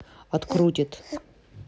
открутит